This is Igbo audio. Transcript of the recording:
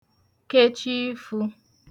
kechi ifū